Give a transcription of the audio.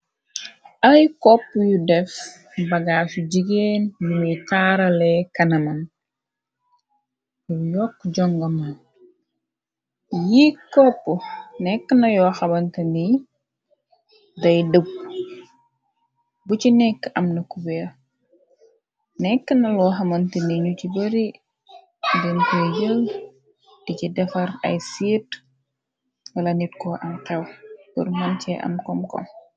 Ay koppu yu def bagaasi yu jigeen bi muy taaral le kanamam pur yokku jongoman yi koppu nekka na yoo xamante ni day dëpu bu ci nèkka am na kuberr nekk na loo xamante ni ñu ci bari din koy jél di ci defarr ay séét wala nit ko am xew purr manci am komkom.